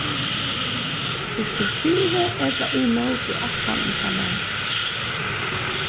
ert tú fyri ella ímóti ætlanini hjá mær